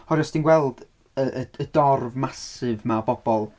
Oherwydd os ti'n gweld yy y dorf massive yma o bobl...